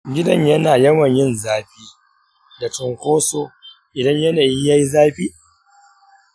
gidan yana yawan yin zafi da cunkoso idan yanayi ya yi zafi?